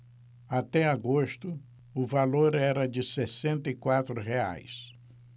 até agosto o valor era de sessenta e quatro reais